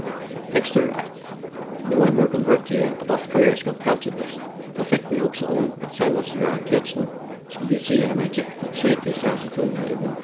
tekstur eitt nú ein morgun hoyrdi eg at alt føroyar skal talgildast tað fekk meg at hugsa um at seinast eg var á apotekinum skuldi eg siga einari gentu trý tey seinastu tølini í mínum